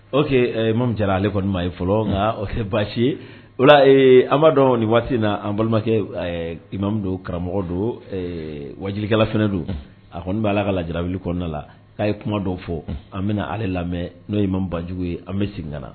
Ɔkemu jara ale kɔni' ye fɔlɔ nka o kɛ baasi ye o dɔn nin waati in na an balimakɛ mami don karamɔgɔ don wajibikalaf don a kɔni b'a la ka laja wuli kɔnɔna la k'a ye kuma dɔw fɔ an bɛna ale lamɛn n'o ye ma banjugu ye an bɛ sigi kana na